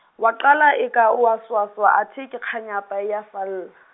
wa qala eka o a swaswa athe ke kganyapa e a falla.